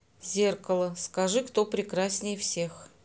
зеркало скажи кто прекраснее всех